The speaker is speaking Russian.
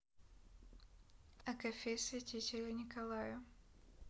акафист святителю николаю